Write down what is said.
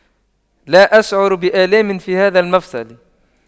لا أشعر بآلام في هذا المفصل